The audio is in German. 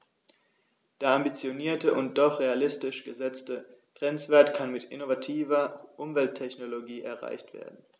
Der ambitionierte und doch realistisch gesetzte Grenzwert kann mit innovativer Umwelttechnologie erreicht werden.